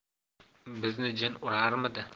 bizni jin urarmidi